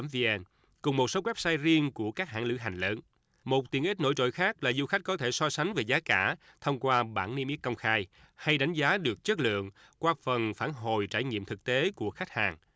chấm vi en cùng một số goét sai riêng của các hãng lữ hành lớn một tiện ích nổi trội khác là du khách có thể so sánh về giá cả thông qua bảng niêm yết công khai hay đánh giá được chất lượng qua phần phản hồi trải nghiệm thực tế của khách hàng